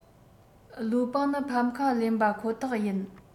ལིའུ པང ནི ཕམ ཁ ལེན པ ཁོ ཐག ཡིན